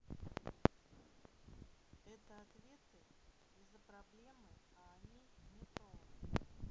это ответы из за проблемы а они не pro